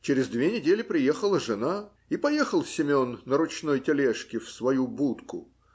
Через две недели приехала жена, и поехал Семен на ручной тележке в свою будку.